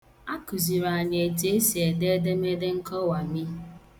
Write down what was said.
A kụziiri anyị etu e si ede edemede nkọwami.